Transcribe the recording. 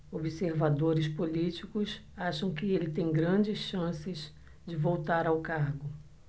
observadores políticos acham que ele tem grandes chances de voltar ao cargo